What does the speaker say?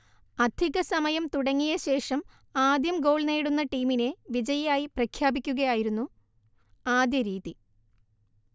അധിക സമയം തുടങ്ങിയ ശേഷം ആദ്യം ഗോൾ നേടുന്ന ടീമിനെ വിജയിയായി പ്രഖ്യാപിക്കുകയായിരുന്നു ആദ്യ രീതി